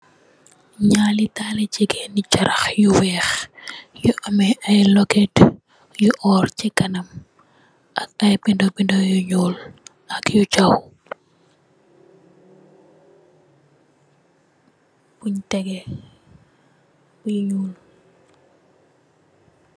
Njaari daali gigain yu charakh yu wekh, yu ameh aiiy lohget yu ohrre chi kanam, ak aiiy binda binda yu njull, ak yu jaw, bungh tehgeh, bu njull.